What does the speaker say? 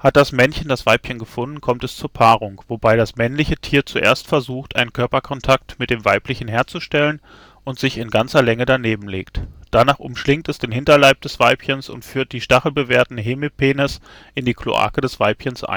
das Männchen das Weibchen gefunden, kommt es zur Paarung, wobei das männliche Tier zuerst versucht, einen Körperkontakt mit dem weiblichen herzustellen und sich in ganzer Länge daneben legt. Danach umschlingt es mit dem Hinterleib das Weibchen und führt die stachelbewehrten Hemipenes in die Kloake des Weibchens ein